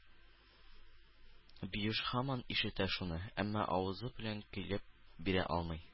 Биюш һаман ишетә шуны, әмма авызы белән көйләп бирә алмый.